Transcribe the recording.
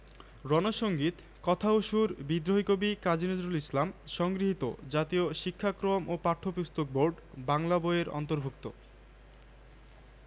তবে জাতিসংঘের মানবাধিকারবিষয়ক দপ্তরের প্রধান যায়িদ রাদ আল হোসেইন রোহিঙ্গাদের ওপর গণহত্যার আশঙ্কা করেছেন